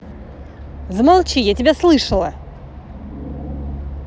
замолчи я тебя слышала